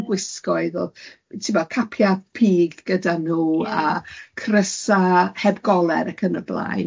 ...mewn gwisgoedd o tibod capiau pig gyda nhw... Ie. ...a crysau heb goler ac yn y blaen.